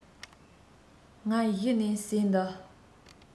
ངས གཞི ནས ཟས འདི